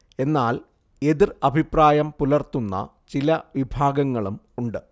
എന്നാൽ എതിർ അഭിപ്രായം പുലർത്തുന്ന ചില വിഭാഗങ്ങളും ഉണ്ട്